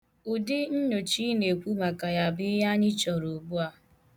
Ụdị nnyocha ị na-ekwu maka ya bu ihe anyị chọrọ ugbu a.